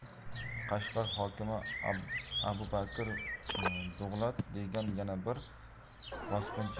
qashqar hokimi abubakir dug'lat degan yana